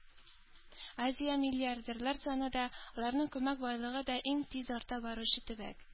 Азия – миллиардерлар саны да, аларның күмәк байлыгы да иң тиз арта баручы төбәк.